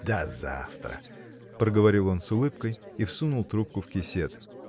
"До завтра", -- проговорил он с улыбкой и всунул трубку в кисет.